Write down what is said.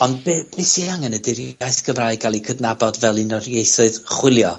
...ond be' be' sydd angen ydi i'r iaith Gymraeg ga'l 'i cydnabod fel un o'r ieithoedd chwilio.